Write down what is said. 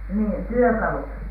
niin työkalut